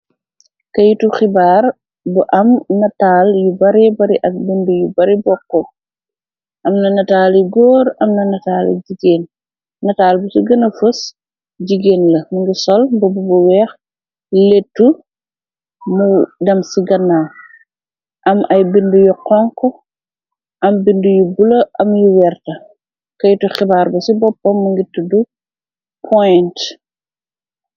Keytu xibaar bu am nataal yu bare bari ak bind yu bari bokk amna nataali góor amna nataali jigéen nataal bu ci gëna fos jigéen la mu ngi sol mbobb bu weex lettu mu dem ci ganna am ay bind yu xank am bind yu bula am yu werta keytu xibaar ba ci boppa mu ngi tuddu point.